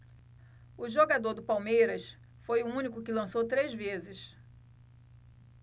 o jogador do palmeiras foi o único que lançou três vezes